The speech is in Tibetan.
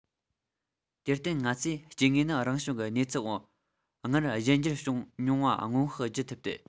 དེར བརྟེན ང ཚོས སྐྱེ དངོས ནི རང བྱུང གི གནས ཚུལ འོག སྔར གཞན འགྱུར བྱུང མྱོང བ སྔོན དཔག བགྱི ཐུབ ཏེ